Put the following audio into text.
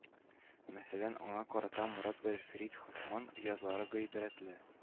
Мәсәлән аңа карата мурад-вильфрид хофманн язмалары гыйбрәтле